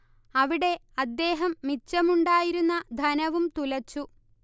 അവിടെ അദ്ദേഹം മിച്ചമുണ്ടായിരുന്ന ധനവും തുലച്ചു